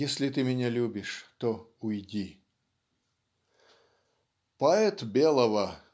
"Если ты меня любишь, то уйди". Поэт белого